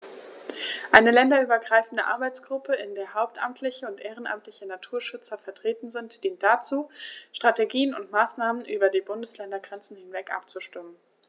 Eine länderübergreifende Arbeitsgruppe, in der hauptamtliche und ehrenamtliche Naturschützer vertreten sind, dient dazu, Strategien und Maßnahmen über die Bundesländergrenzen hinweg abzustimmen.